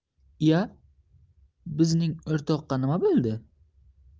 iya bizning o'rtoqqa nima bo'ldi